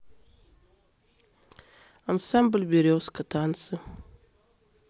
ансамбль березка танцы